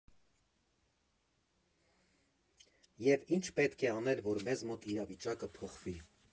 Եվ ի՞նչ է պետք անել, որ մեզ մոտ իրավիճակը փոխվի։